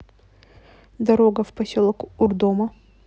дорога в поселок урдома